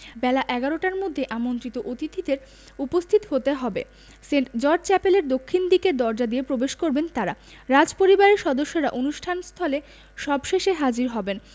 বেলা ১১টার মধ্যেই আমন্ত্রিত অতিথিদের উপস্থিত হতে হবে সেন্ট জর্জ চ্যাপেলের দক্ষিণ দিকের দরজা দিয়ে প্রবেশ করবেন তাঁরা রাজপরিবারের সদস্যরা অনুষ্ঠান স্থলে সবশেষে হাজির হবেন